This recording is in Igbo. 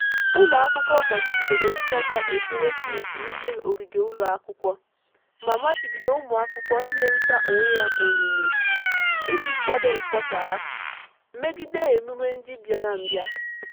Ụlọakwụkwọ machibidoro ịchọ mma ekeresimesi n'ime ogige ụlọakwụkwọ ma machibido ụmụakwụkwọ ịnyerịta onwe ha onyinye iji kwado mkpọsa ha megide emume ndị mbịarambịa.